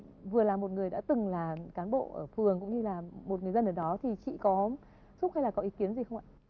vừa là một người đã từng là cán bộ ở phường cũng như là một người dân ở đó thì chị có xúc hay là có ý kiến gì không ạ